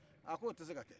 a k'o tise ka kɛ